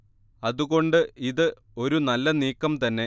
അത് കൊണ്ട് ഇത് ഒരു നല്ല നീക്കം തന്നെ